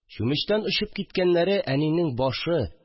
Чүмечтән очып киткәннәре әнинең башы